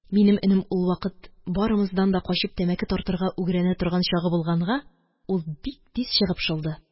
Минем энем ул вакыт барымыздан да качып тәмәке тартырга үгрәнә торган чагы булганга, ул бик тиз чыгып шылды